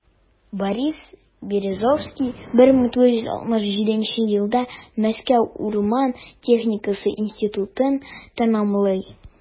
Борис Березовский 1967 елда Мәскәү урман техникасы институтын тәмамлый.